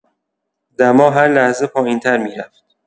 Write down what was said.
دما هر لحظه پایین‌تر می‌رفت.